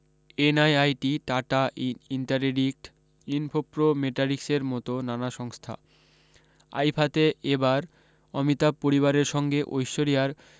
NIIT Tata interactive Infopro মেটোরিক্সের মতো নানা সংস্থা আইফাতে এ বার অমিতাভ পরিবারের সঙ্গে ঐশ্বরিয়ার